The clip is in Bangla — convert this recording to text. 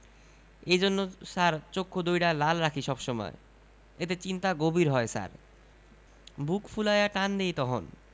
এইজন্য ছার চোক্ষু দুউডা লাল রাখি সব সময় এতে চিন্তা গভীর হয় ছার বুক ফুলায়া টান দেই তহন